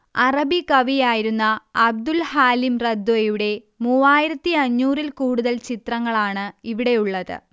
അറബികവി ആയിരുന്ന Abdul Halim റദ്വയുടെ മൂവായിരത്തിയഞ്ഞൂറിൽ കൂടുതൽ ചിത്രങ്ങളാണ് ഇവിടെയുള്ളത്